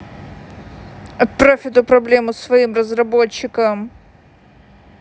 отправь эту проблему своим разработчикам